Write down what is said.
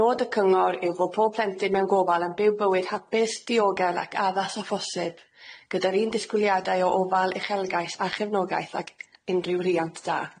Nod y Cyngor yw fod pob plentyn mewn gofal yn byw bywyd hapus, diogel ac addas â phosib gyda'r un disgwyliadau o ofal, uchelgais a chefnogaeth ag unrhyw riant da.